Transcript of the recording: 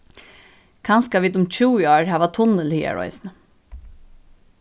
kanska vit um tjúgu ár hava tunnil hagar eisini